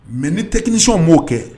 Mɛ ni tɛksɔn b'o kɛ